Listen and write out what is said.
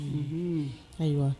Ayiwa